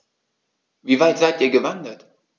Wie weit seid Ihr gewandert?